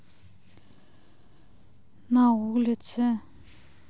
на улице